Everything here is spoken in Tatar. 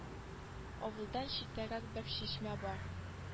Авылдан читтәрәк бер чишмә бар